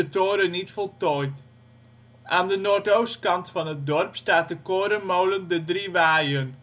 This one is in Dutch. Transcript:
toren niet voltooid. Aan de noordoostkant van het dorp staat de korenmolen De Drie Waaien